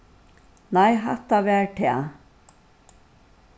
nei hatta var tað